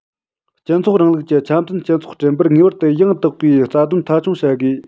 སྤྱི ཚོགས རིང ལུགས ཀྱི འཆམ མཐུན སྤྱི ཚོགས བསྐྲུན པར ངེས པར དུ ཡང དག པའི རྩ དོན མཐའ འཁྱོངས བྱ དགོས